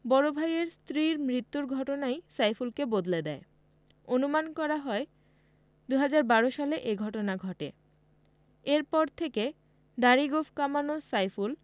বড় ভাইয়ের স্ত্রীর মৃত্যুর ঘটনাই সাইফুলকে বদলে দেয় অনুমান করা হয় ২০১২ সালে এ ঘটনা ঘটে এরপর থেকে দাড়ি গোঁফ কামানো সাইফুল